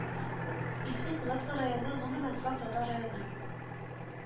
Иске Кулатка районы, гомумән, саф татар районы